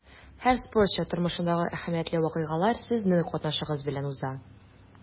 Һәр спортчы тормышындагы әһәмиятле вакыйгалар сезнең катнашыгыз белән уза.